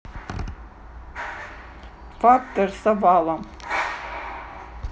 фактор савала